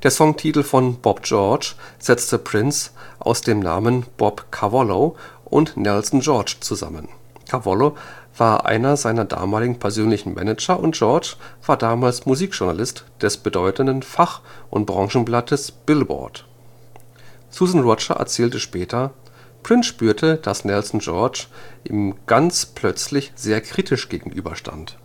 Songtitel von Bob George setzte Prince aus den Namen Bob Cavallo und Nelson George zusammen. Cavallo war einer seiner damaligen persönlichen Manager und George war damals Musikjournalist des bedeutenden Fach - und Branchenblattes Billboard. Susan Rogers erzählte später: „ Prince spürte, dass Nelson George ihm ganz plötzlich sehr kritisch gegenüberstand